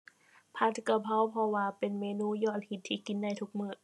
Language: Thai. ผัดกะเพรา เพราะว่าเป็นเมนูยอดฮิตที่กินได้ทุกมื้อ